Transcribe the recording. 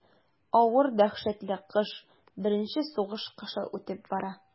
Авыр дәһшәтле кыш, беренче сугыш кышы үтеп бара.